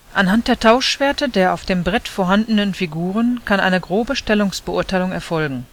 Anhand der Tauschwerte der auf dem Brett vorhandenen Figuren kann eine grobe Stellungsbeurteilung erfolgen